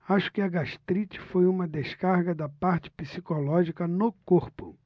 acho que a gastrite foi uma descarga da parte psicológica no corpo